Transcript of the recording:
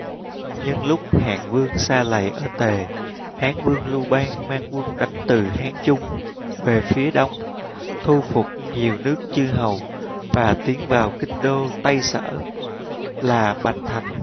nhân lúc hạng vương sa lầy ở tề hán vương lưu bang mang quân đánh từ hán trung về phía đông thu phục nhiều nước chư hầu và tiến vào kinh đô tây sở là bành thành